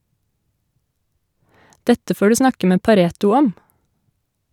Dette får du snakke med Pareto om.